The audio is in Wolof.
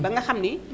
ba nga xam ne